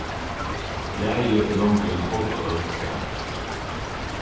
blaðið er longu eina hálva øld gamalt